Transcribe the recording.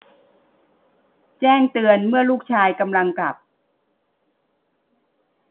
แจ้งเตือนเมื่อลูกชายกำลังกลับ